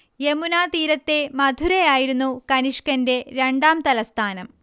യമുനാ തീരത്തെ മഥുരയായിരുന്നു കനിഷ്കന്റെ രണ്ടാം തലസ്ഥാനം